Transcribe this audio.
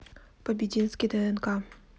побединский днк